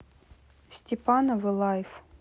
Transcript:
степановы лайф